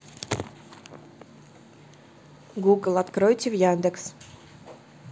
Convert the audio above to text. google откройте в яндекс